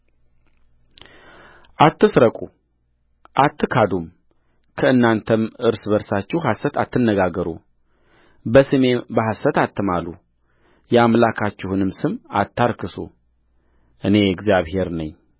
አትስረቁ አትካዱም ከእናንተም እርስ በርሳችሁ ሐሰት አትነጋገሩበስሜም በሐሰት አትማሉ የአምላካችሁንም ስም አታርክሱ እኔ እግዚአብሔር ነኝ